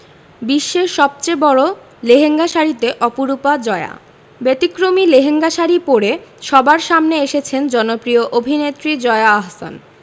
বিশ্বের সবচেয়ে বড় লেহেঙ্গা শাড়িতে অপরূপা জয়া ব্যতিক্রমী লেহেঙ্গা শাড়ি পরে সবার সামনে এসেছেন জনপ্রিয় অভিনেত্রী জয়া আহসান